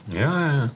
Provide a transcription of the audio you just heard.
ja ja ja.